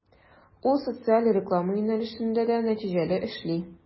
Ул социаль реклама юнәлешендә дә нәтиҗәле эшли.